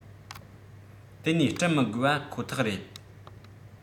དེ ནས བསྐྲུན མི དགོས བ ཁོ ཐག རེད